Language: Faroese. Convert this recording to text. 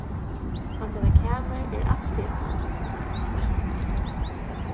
hansara kamar er altíð eitt boð